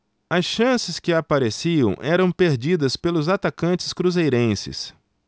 as chances que apareciam eram perdidas pelos atacantes cruzeirenses